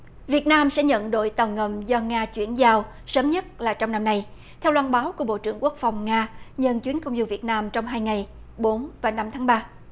việt nam sẽ nhận đội tàu ngầm do nga chuyển giao sớm nhất là trong năm nay theo loan báo của bộ trưởng quốc phòng nga nhân chuyến công du việt nam trong hai ngày bốn và năm tháng ba